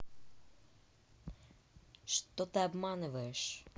что ты обманываешь